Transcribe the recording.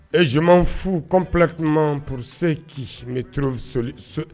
Ɛzoman fu kɔnpki purse k'i bɛoroli so